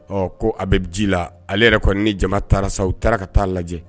Ɔ ko a bɛ ji la ale yɛrɛ kɔni ni jama taara sa u taara ka taaa lajɛ